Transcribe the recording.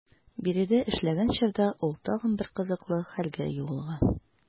Биредә эшләгән чорда ул тагын бер кызыклы хәлгә юлыга.